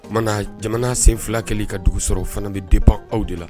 Oumana jamana sen fila kɛli ka dugu sɔrɔ o fana bɛ diban aw de la